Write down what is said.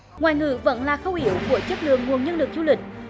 ngoại ngữ vẫn là khâu yếu của chất lượng nguồn nhân lực du lịch